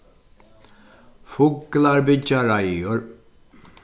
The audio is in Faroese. fuglar byggja reiður